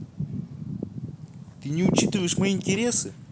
ты не учитываешь мои интересы